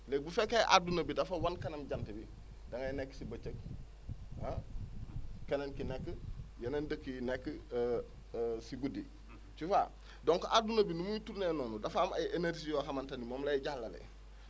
léegi bu fekkee adduna bidafa wan kanam jant bi da ngay nekk si bëccëg ah keneen ki nekk yeneen dëkk yi nekk si guddi tu vois donc adduna bi ni muy tourner noonu dafa am ay énergies yoo xamante ni moom lay jàllale